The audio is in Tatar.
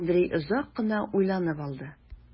Андрей озак кына уйланып алды.